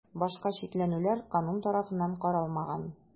Башка чикләүләр канун тарафыннан каралмаган.